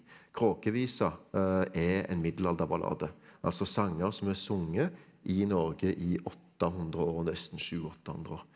Kråkevisa er en middelalderballade altså sanger som er sunget i Norge i 800 år nesten sju 800 år.